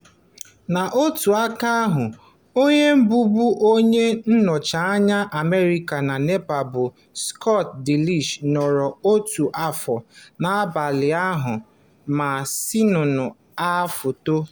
N'otu aka ahụ, onye bụbu onye nnọchianya America na Nepal bụ Scott DeLisi nọrọ ọtụtụ afọ na-agbalị ịhụ ma see nnụnụ a foto.